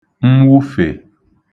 mwufè